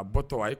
A batɔ ye